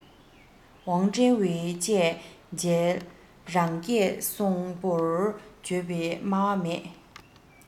ཝང ཀྲེན ཝུའེ བཅས མཇལ རང སྐད སྲོང པོར བརྗོད པའི སྨྲ བ མེད